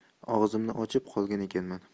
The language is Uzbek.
og'zimni ochib qolgan ekanman